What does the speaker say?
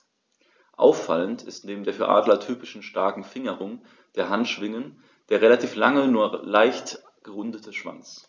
Auffallend ist neben der für Adler typischen starken Fingerung der Handschwingen der relativ lange, nur leicht gerundete Schwanz.